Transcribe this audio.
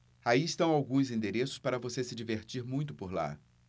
aí estão alguns endereços para você se divertir muito por lá